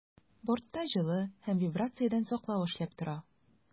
Бортта җылы һәм вибрациядән саклау эшләп тора.